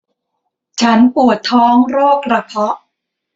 ฉันปวดท้องโรคกระเพาะ